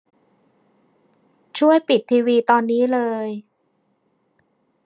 ช่วยปิดทีวีตอนนี้เลย